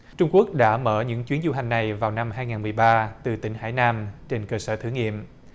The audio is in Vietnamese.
trung quốc đã mở những chuyến du hành này vào năm hai nghìn mười ba từ tỉnh hải nam trên cơ sở thử nghiệm